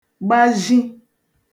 gbazhi